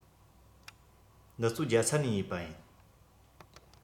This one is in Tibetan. འདི ཚོ རྒྱ ཚ ནས ཉོས པ ཡིན